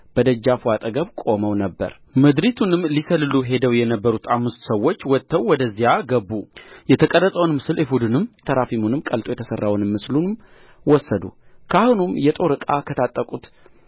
በደጃፉ አጠገብ ቆመው ነበር ምድሪቱንም ሊሰልሉ ሄደው የነበሩት አምስቱ ሰዎች ወጥተው ወደዚያ ገቡ የተቀረጸውን ምስል ኤፉዱንም ተራፊሙንም ቀልጦ የተሠራውን ምስልም ወሰዱ ካህኑም የጦር ዕቃ ከታጠቁት